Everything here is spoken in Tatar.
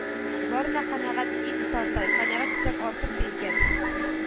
Барына канәгать ит, тартай, канәгать итсәң артыр, ди икән